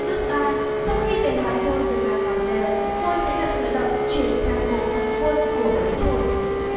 bước sau khi bề mặt phôi được làm lỏng đều phôi sẽ được tự động chuyển sang bộ phận khuôn của máy thổi